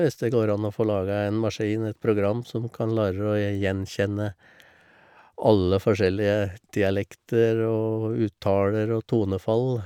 Hvis det går an å få laga en maskin, et program, som kan lære å gjenkjenne alle forskjellige dialekter og uttaler og tonefall.